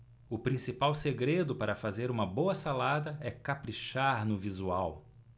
o principal segredo para fazer uma boa salada é caprichar no visual